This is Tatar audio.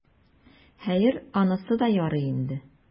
Хәер, анысы да ярый инде.